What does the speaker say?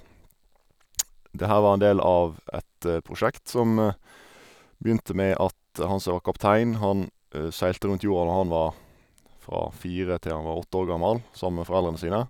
Det her var en del av et prosjekt som begynte med at han som var kaptein, han seilte rundt jorda når han var fra fire til han var åtte år gammel, sammen med foreldrene sine.